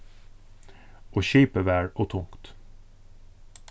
og skipið var ov tungt